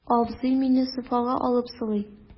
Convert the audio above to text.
Абзый мине софага алып сылый.